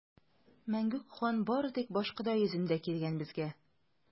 Мәңгүк хан бары тик башкода йөзендә килгән безгә!